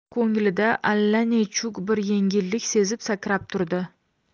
ko'nglida allanechuk bir yengillik sezib sakrab turdi